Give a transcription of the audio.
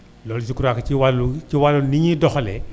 loolu je crois que ci wàllu ci wàllu li ñuy doxalee